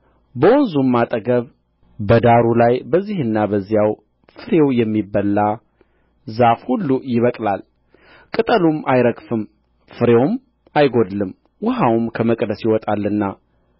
በወንዙም አጠገብ በዳሩ ላይ በዚህና በዚያ ፍሬው የሚበላ ዛፍ ሁሉ ይበቅላል ቅጠሉም አይረግፍም ፍሬውም አይጐድልም ውኃውም ከመቅደስ ይወጣልና